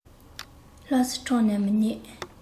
ལྷ སའི ཁྲོམ ནས མི རྙེད